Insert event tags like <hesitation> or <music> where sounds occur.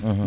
<hesitation> <hesitation>